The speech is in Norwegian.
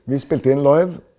vi spilte inn live.